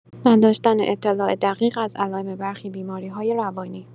نداشتن اطلاع دقیق از علائم برخی بیماری‌های روانی